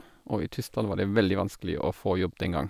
Og i Tyskland var det veldig vanskelig å få jobb den gang.